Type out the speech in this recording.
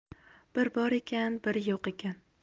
bir bor ekan bir yo'q ekan